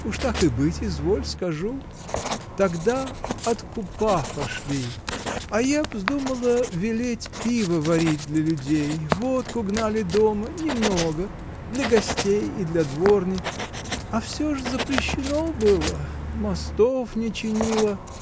Уж так и быть, изволь, скажу: тогда откупа пошли, а я вздумала велеть пиво варить для людей, водку гнали дома, не много, для гостей и для дворни, а всё же запрещено было мостов не чинила.